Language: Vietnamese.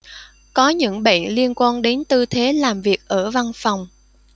có những bệnh liên quan đến tư thế làm việc ở văn phòng